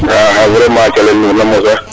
waaw vraiment calel nuuna mosa